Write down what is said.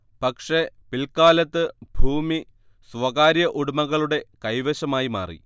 പക്ഷേ പിൽക്കാലത്ത് ഭൂമി സ്വകാര്യ ഉടമകളുടെ കൈവശമായി മാറി